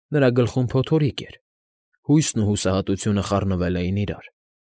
Նրա գլխում փոթորիկ էր՝ հույսն ու հուսահատությունը խառնվել էին իրար։